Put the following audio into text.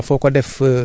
ñeenti at